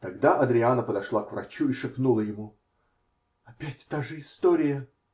Тогда Адриана подошла к врачу и шепнула ему: -- Опять та же история.